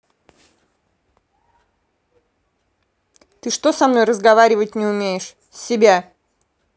ты что со мной разговаривать не умеешь себя